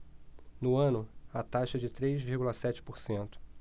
no ano a taxa é de três vírgula sete por cento